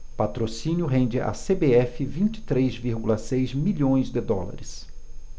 patrocínio rende à cbf vinte e três vírgula seis milhões de dólares